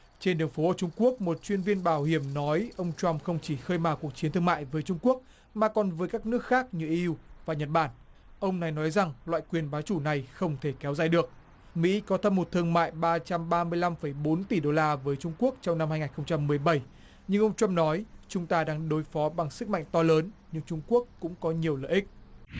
trên đường phố ở trung quốc một chuyên viên bảo hiểm nói ông trăm không chỉ khơi mào cuộc chiến thương mại với trung quốc mà còn với các nước khác như iu và nhật bản ông này nói rằng loại quyền bá chủ này không thể kéo dài được mỹ có thâm hụt thương mại ba trăm ba mươi lăm phẩy bốn tỷ đô la với trung quốc trong năm hai nghìn không trăm mười bảy nhưng ông trăm nói chúng ta đang đối phó bằng sức mạnh to lớn như trung quốc cũng có nhiều lợi ích